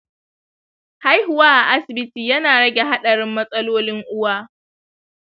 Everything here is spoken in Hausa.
haihuwa a asibiti yana rage haɗarin matsalolin uwa.